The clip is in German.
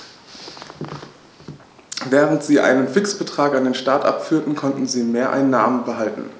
Während sie einen Fixbetrag an den Staat abführten, konnten sie Mehreinnahmen behalten.